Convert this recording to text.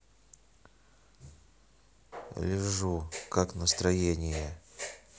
лежу как настроение